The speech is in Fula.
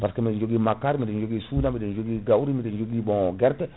par ce que bon biɗen jogui makkari biɗen jogui suuna biɗen jogui gawri biɗen jogui bon guerte